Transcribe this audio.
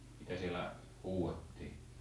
mitä siellä huudettiin